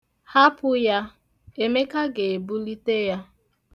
Hapụ ya, Emeka ga-ebulite ya.